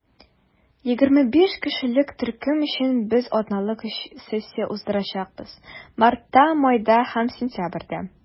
25 кешелек төркем өчен без атналык өч сессия уздырачакбыз - мартта, майда һәм сентябрьдә.